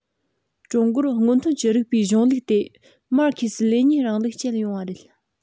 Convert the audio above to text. ཀྲུང གོར སྔོན ཐོན གྱི རིགས པའི གཞུང ལུགས ཏེ མར ཁེ སི ལེ ཉིན རིང ལུགས བསྐྱལ ཡོང བ རེད